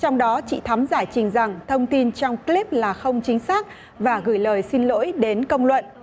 trong đó chị thắm giải trình rằng thông tin trong cờ líp là không chính xác và gửi lời xin lỗi đến công luận